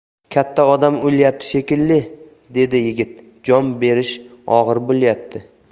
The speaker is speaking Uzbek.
katta odam o'lyapti shekilli dedi yigit jon berishi og'ir o'tyapti